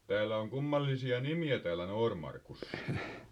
täällä on kummallisia nimiä täällä Noormarkussa